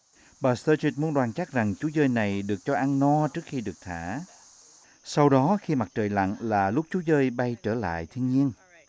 bà sơ dư muốn đoàn chắc rằng chú dơi này được cho ăn no trước khi được thả sau đó khi mặt trời lặn là lúc chú dơi bay trở lại thiên nhiên